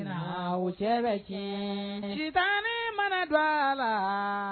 Saba o cɛ kɛtan ne mana don a la